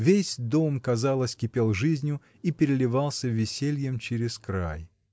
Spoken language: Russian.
весь дом, казалось, кипел жизнью и переливался весельем через край.